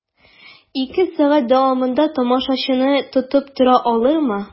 Ике сәгать дәвамында тамашачыны тотып тора алырмы?